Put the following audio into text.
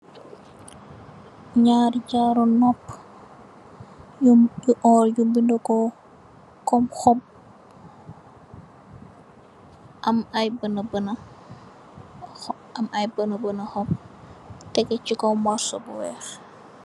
Nyaari jaaru noppu, nyun si lol binde ko kom xob, am ay banebane, am ay banebane xob, tegge si kaw morso bu weex.